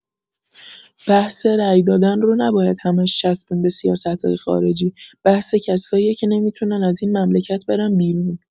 بحث رای دادن رو نباید همش چسبوند به سیاست‌های خارجی، بحث کساییه که نمی‌تونن از این مملکت برن بیرون